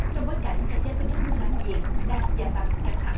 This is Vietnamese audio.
trong bối cảnh tranh chấp với các nước láng giềng đang gia tăng căng thẳng